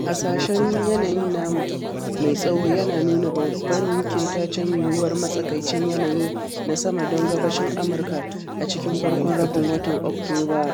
Hasashen yanayin namu mai tsawo yana nuna babban kintacen yiwuwar matsakaicin yanayi na sama don gabashin Amurka a cikin farkon rabin watan Oktoba.